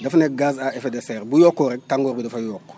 dafa nekk gaz à effet de serre bu yokkoo rek tàngoor bi dafay yokk